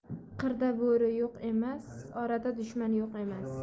qirda bo'ri yo'q emas orada dushman yo'q emas